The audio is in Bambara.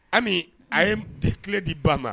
Ami a ye di tile di ba ma